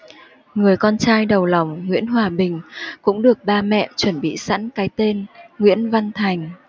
người con trai đầu lòng nguyễn hòa bình cũng được ba mẹ chuẩn bị sẵn cái tên nguyễn văn thành